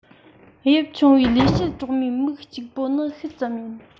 དབྱིབས ཆུང བའི ལས བྱེད གྲོག མའི མིག གཅིག པོ ནི ཤུལ ཙམ ཡིན